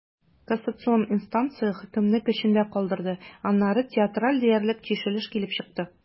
Кассацион инстанция хөкемне көчендә калдырды, аннары театраль диярлек чишелеш килеп чыкты.